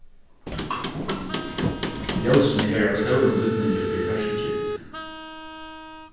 ljósini eru av stórum týdningi fyri ferðslutrygd